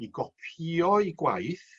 i gopio'i gwaith